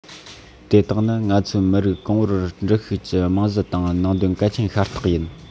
དེ དག ནི ང ཚོའི མི རིགས གོང བུར འགྲིལ ཤུགས ཀྱི རྨང གཞི དང ནང དོན གལ ཆེན ཤ སྟག ཡིན